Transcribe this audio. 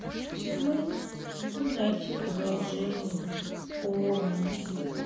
мы хотим найти продолжение омена